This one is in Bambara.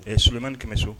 Ɛɛ solonmani kɛmɛ so